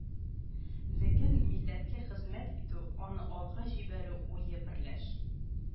Леген милләткә хезмәт итү, аны алга җибәрү уе берләш